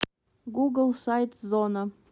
google сайт зона